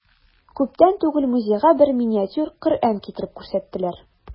Күптән түгел музейга бер миниатюр Коръән китереп күрсәттеләр.